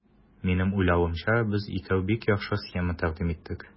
Минем уйлавымча, без икәү бик яхшы схема тәкъдим иттек.